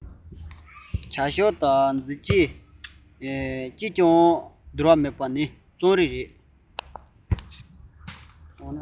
བྱ བཞག དང མཛད རྗེས ཇི འདྲ ཞིག གིས ཀྱང བསྒྲུན དུ མེད པ ནི རྩོམ རིག ཁོ ན ཡིན